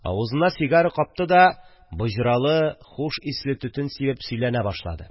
Авызына сигара капты да, боҗралы, хуш исле төтен сибеп сөйләнә башлады